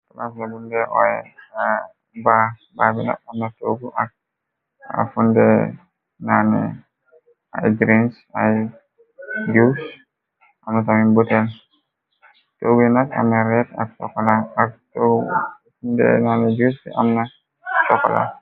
Tobafna bunde oyba babina anna toogu aki greens ay jush amna tamin bhutel togguy nak ameret ak soxoa ak funde nane jus amna sokola.